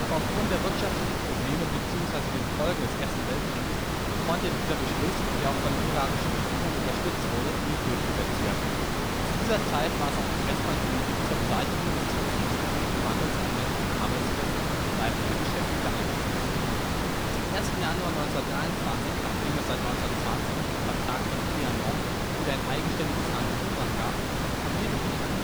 aufgrund der wirtschaftlichen Probleme beziehungsweise den Folgen des Ersten Weltkrieges konnte dieser Beschluss, der auch von der ungarischen Regierung unterstützt wurde, nicht durchgesetzt werden. Zu dieser Zeit war es auch erstmals nötig, zur Beseitigung des kriegsbedingten Mangels an männlichen Arbeitskräften weibliche Beschäftigte einzusetzen. Zum 1. Januar 1923, nachdem es seit 1920 nach dem Vertrag von Trianon wieder ein eigenständiges Land Ungarn gab, formierte sich